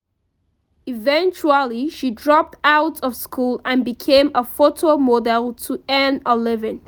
Eventually, she dropped out of school and became a photo model to earn a living.